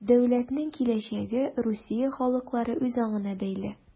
Дәүләтнең киләчәге Русия халыклары үзаңына бәйле.